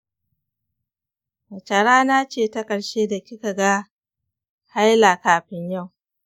wace rana ce ta ƙarshe da kika ga haila kafin yau?